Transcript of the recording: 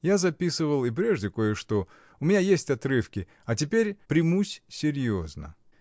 Я записывал и прежде кое-что: у меня есть отрывки, а теперь примусь серьезно.